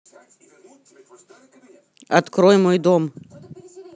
открой мой дом